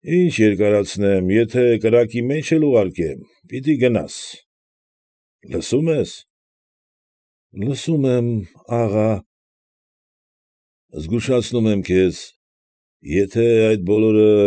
Ինչ երկարացնեմ, եթե կրակի մեջ էլ ուղարկեմ, պիտի գնաս։ ֊ Լսո՞ւմ ես։ ֊ Լսում եմ, աղա։ ֊ Զգուշացնում եմ քեզ, եթե այդ բոլորը։